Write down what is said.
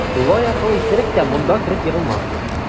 Лаякыл исерек тә монда кереп егылмас.